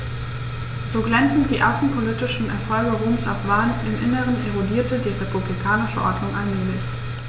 So glänzend die außenpolitischen Erfolge Roms auch waren: Im Inneren erodierte die republikanische Ordnung allmählich.